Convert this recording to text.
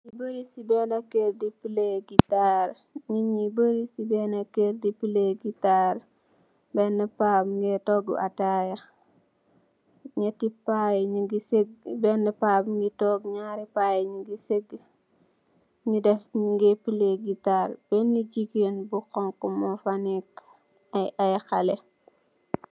Nit ñu bari si beenë kér do pillëë gitaar, Nit ñu bari si beenë kér do pillëë Beenë Paa bi mu ngee toogu attaya, ñaati Paa yi ñu ngi sëggë, beenë Paa bi mu ngi toog, ñiaari Paa yi ñi ngi sëggë, ñu des ñu ngee pillëë gitaar, beenë jigéen bu xoñxu moo fa nëëk ak ay xalee.